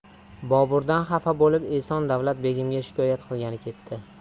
boburdan xafa bo'lib eson davlat begimga shikoyat qilgani ketdi